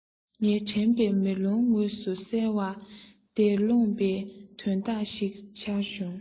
ངའི དྲན པའི མེ ལོང ངོས སུ གསལ ལེར འདས སོང པའི དོན དག ཞིག ཤར བྱུང